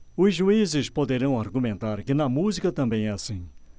os juízes poderão argumentar que na música também é assim